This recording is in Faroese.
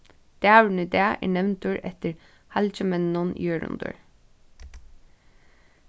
dagurin í dag er nevndur eftir halgimenninum jørundur